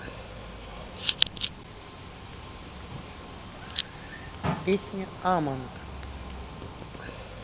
песня among